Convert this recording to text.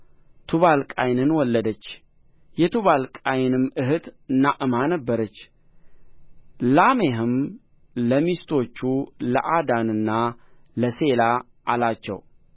ቱባልቃይንን ወለደች የቱባልቃይንም እኅት ናዕማ ነበረች ላሜሕም ለሚስቶቹ ለዓዳና ለሴላ አላቸው